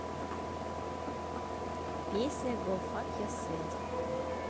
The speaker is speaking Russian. песня go fuck yourself